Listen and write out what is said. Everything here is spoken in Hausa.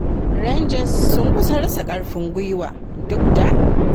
Rangers sun kusan rasa ƙarfin gwiwa, duk da.